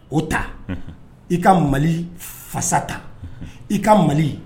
O ta i ka mali fasa ta i ka mali